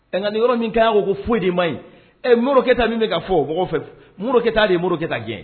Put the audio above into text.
Ɛ nka nin yɔrɔ min kɛ' ko foyi de ma ɲi ɛ morikɛ taa min bɛ ka fɔ o fɛ morikɛ taa de ye muru kɛ ka gɛn